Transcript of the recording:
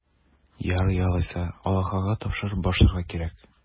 Ярый алайса, Аллаһыга тапшырып башларга кирәк.